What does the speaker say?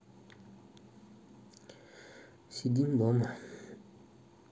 сидим дома